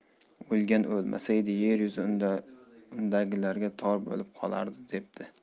o'lgan o'lmasaydi yer yuzi undagilarga tor bo'lib qolardi debdi